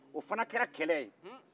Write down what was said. o fana kɛra kɛlɛ ye